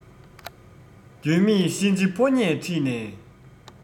རྒྱུས མེད གཤིན རྗེ ཕོ ཉས ཁྲིད ནས